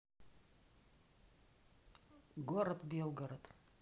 город белгород